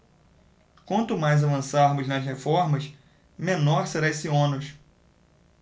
quanto mais avançarmos nas reformas menor será esse ônus